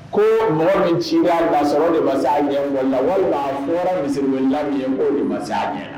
Ko mɔgɔ min ci a' sɔrɔ de masa a ɲɛ la walima fɔra misi ɲa ye koo ni masaya a ɲɛ